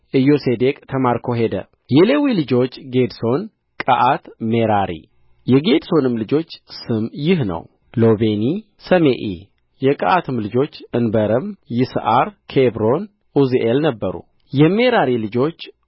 ኢዮሴዴቅ ተማርኮ ሄደ የሌዊ ልጆች ጌድሶን ቀዓት ሜራሪ የጌድሶንም ልጆች ስም ይህ ነው ሎቤኒ ሰሜኢ የቀዓትም ልጆች እንበረም ይስዓር ኬብሮን ዑዝኤል ነበሩ የሜራሪ ልጆች